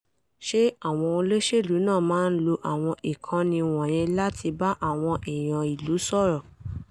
Ṣé àwọn olóṣèlú náà máa ń lo àwọn ìkànnì wọ̀nyẹn láti bá àwọn èèyàn ìlú sọ̀rọ̀?